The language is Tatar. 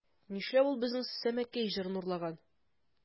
Нишләп ул безнең Сәмәкәй җырын урлаган?